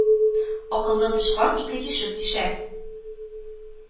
Акыллы тычкан ике тишек тишәр